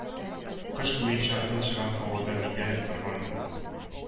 Кыш буенча тынчыган һавада бикләнеп торган